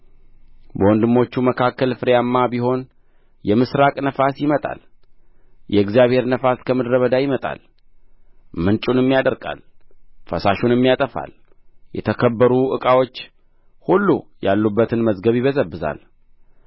ወንድሞቹ መካከል ፍሬያማ ቢሆን የምሥራቅ ነፋስ ይመጣል የእግዚአብሔር ነፋስ ከምድረ በዳ ይመጣል ምንጩንም ያደርቃል ፈሳሹንም ያጠፋል የተከበሩ ዕቃዎች ሁሉ ያሉበትን መዝገብ ይበዘብዛል